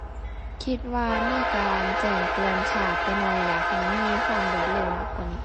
คิดว่ามีการแจ้งเตือนช้าไปหน่อย อยากให้มีความรวดเร็วมากกว่านี้